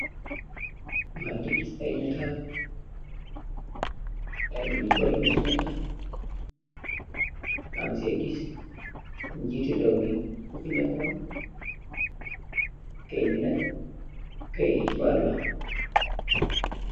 Magi giss ay netal ay nitt yu bari nyun si neka mang seh giss njeeti rew mi Fi nekon keyit bi nak keyti xibaar la.